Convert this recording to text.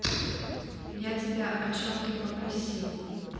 я тебя о чем попросил